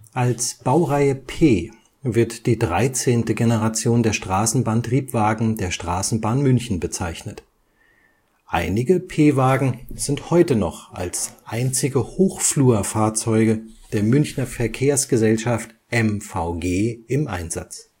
Als Baureihe P wird die 13. Generation der Straßenbahn-Triebwagen der Straßenbahn München bezeichnet. Einige P-Wagen sind heute noch als einzige Hochflurfahrzeuge der Münchner Verkehrsgesellschaft (MVG) im Einsatz